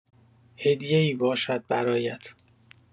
هدیه‌ای باشد برایت.